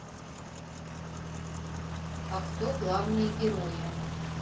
а кто главные герои